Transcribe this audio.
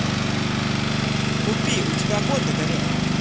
купи у тебя огонь догорел